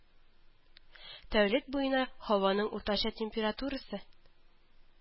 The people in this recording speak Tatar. Тәүлек буена һаваның уртача температурасы